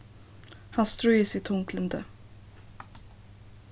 hann stríðist við tunglyndi